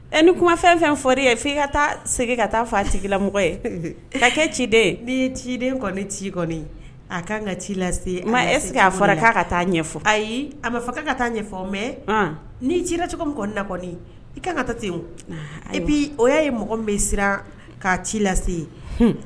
Ɛ ni kuma fɛn fɛn fɔɔri ye fo' ka taa segin ka taa fa cilamɔgɔ ye ka kɛ ciden n'i ye ciden kɔni ci kɔni a ka kan ka ci lase ma ɛseke k'a fɔra k' ka taa ɲɛfɔ ayi a bɛ fɔ ka taa ɲɛfɔbɛ ni'i jilacogo min la kɔni i ka kan ka taa ten i bi o ye mɔgɔ bɛ siran k ka ci lase